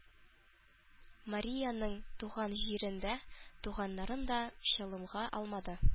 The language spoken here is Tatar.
Мария аның туган җирен дә, туганнарын да чалымга алмады.